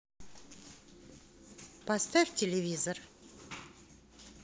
поставь телевизор